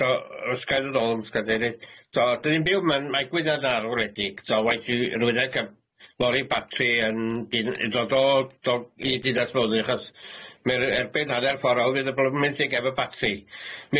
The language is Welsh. Ia so os ga' i ddodd os ga' i ddeud yy so dydi'n byw ma'n mae gwynna'n arwredig so waeth i rywun ag yy lorri batri yn dyn- yn dod o dom- i dinas mewn i achos ma'r erbyn hanner ffor a oedd yn blomynthig efo batri.